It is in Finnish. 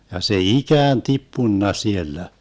ja se ikään tippunut siellä